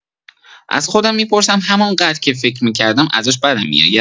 از خودم می‌پرسم همان‌قدر که فکر می‌کردم ازش بدم می‌آید؟